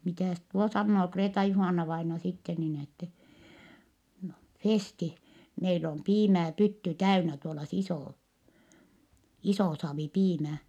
mitäs tuo sanoo Kreeta-Juhanna-vainaja sitten niin että no Festi meillä on piimää pytty täynnä tuolla se iso iso saavi piimää